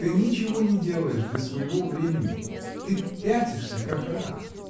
ты ничего не делаешь для своего времени, ты пятишься, как рак.